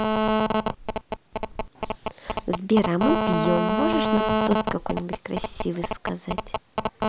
сбер а мы пьем можешь нам тост какой нибудь красивый сказать